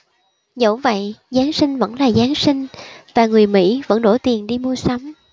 dẫu vậy giáng sinh vẫn là giáng sinh và người mỹ vẫn đổ tiền đi mua sắm